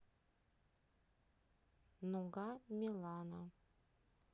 нуга милана